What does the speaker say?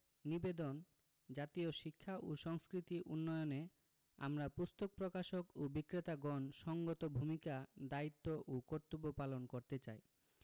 নিবেদন জাতীয় শিক্ষা ও সংস্কৃতি উন্নয়নে আমরা পুস্তক প্রকাশক ও বিক্রেতাগণ সঙ্গত ভূমিকা দায়িত্ব ও কর্তব্য পালন করতে চাই